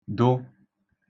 dụ